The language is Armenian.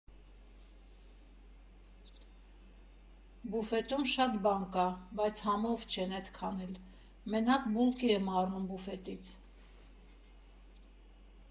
Բուֆետում շատ բան կա, բայց համով չեն էդքան էլ, մենակ բուլկի եմ առնում բուֆետից։